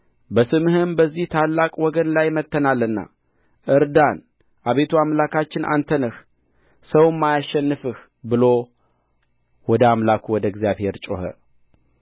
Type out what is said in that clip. በስምህም በዚህ ታላቅ ወገን ላይ መጥተናልና እርዳን አቤቱ አምላካችን አንተ ነህ ሰውም አያሸንፍህ ብሎ ወደ አምላኩ ወደ እግዚአብሔር ጮኸ